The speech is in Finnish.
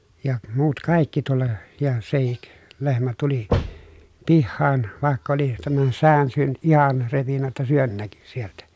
ja muut kaikki tulla ja sekin lehmä tuli pihaan vaikka oli tämän säkän syönyt ihan repinyt että sydän näkyi sieltä